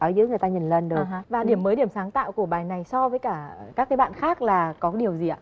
ở dưới người ta nhìn lên được và điểm mới điểm sáng tạo của bài này so với cả các bạn khác là có cái điều gì ạ